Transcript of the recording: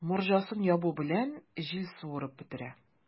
Морҗасын ябу белән, җил суырып бетерә.